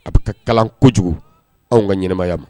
A bɛ ka kalan kojugu anw ka ɲɛnɛmaya ma